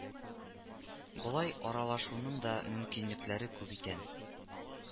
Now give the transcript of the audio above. Болай аралашуның да мөмкинлекләре күп икән